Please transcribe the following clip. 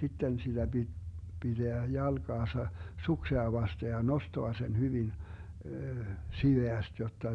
sitten sitä piti pitää jalkaansa suksea vasten ja nostaa sen hyvin siveästi jotta